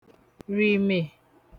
rìmè